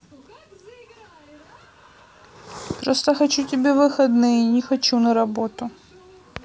просто хочу тебе выходные не хочу на работу